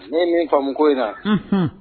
Ne ye min fa ko in na